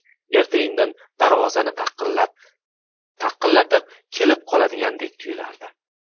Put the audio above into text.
erta indin darvozani taqillab taqillatib kelib qoladigandek tuyulardi